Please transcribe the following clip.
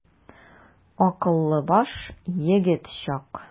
Акыллы баш, егет чак.